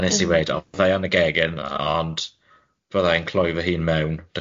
A wnes i weud, o fyddai yn y gegin, ond fydda i'n cloi fy hun mewn.